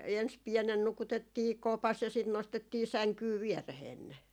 ensin pienenä nukutettiin kopassa ja sitten nostettiin sänkyyn viereen ne